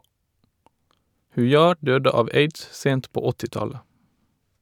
Hujar døde av aids sent på 80-tallet.